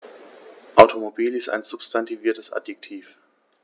Automobil ist ein substantiviertes Adjektiv.